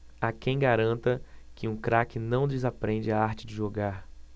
há quem garanta que um craque não desaprende a arte de jogar